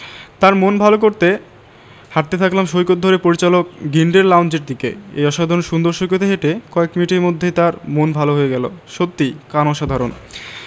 তার মন ভালো করতে হাঁটতে থাকলাম সৈকত ধরে পরিচালক গিল্ডের লাউঞ্জের দিকে এই অসাধারণ সুন্দর সৈকতে হেঁটে কয়েক মিনিটের মধ্যেই তার মন ভালো হয়ে গেল সত্যিই কান অসাধারণ